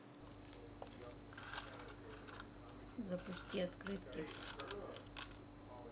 запусти открытки